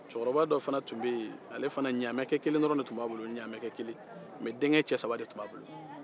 cɛkɔrɔba dɔ fana tun bɛ ye ale fana ɲamɛkɛkelen dɔrɔn de tun b'ale bolo ɲamɛkɛkelen mais denkɛ saba de tun b'a bolo